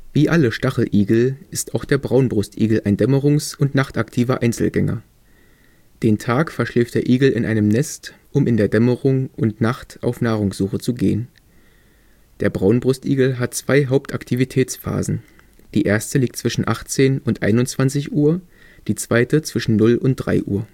Wie alle Stacheligel ist auch der Braunbrustigel ein dämmerungs - und nachtaktiver Einzelgänger. Den Tag verschläft der Igel in einem Nest, um in der Dämmerung und Nacht auf Nahrungssuche zu gehen. Der Braunbrustigel hat zwei Hauptaktivitätsphasen. Die erste liegt zwischen 18 und 21 Uhr, die zweite zwischen 0 und 3 Uhr